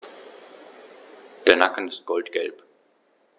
Der Nacken ist goldgelb.